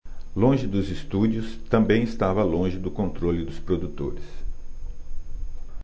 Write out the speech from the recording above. longe dos estúdios também estava longe do controle dos produtores